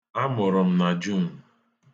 A mụrụ m na Juun.